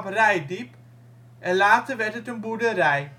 Reitdiep en later werd het een boerderij